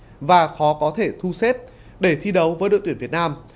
và khó có thể thu xếp để thi đấu với đội tuyển việt nam